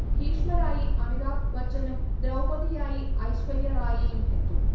ഭീഷ്മരായി അമിതാഭ് ബച്ചനും ദ്രൗപതിയായി ഐശ്വര്യ റായിയും എത്തും